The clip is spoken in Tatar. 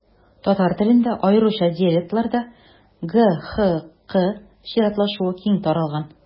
Татар телендә, аеруча диалектларда, г-х-к чиратлашуы киң таралган.